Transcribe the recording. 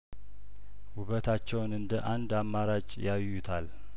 ውበታቸውን እንደ አንድ አማራጭ ያዩታል